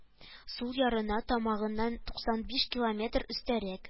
Сул ярына тамагыннан туксан биш километр өстәрәк